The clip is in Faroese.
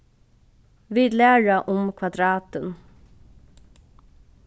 vit læra um kvadratin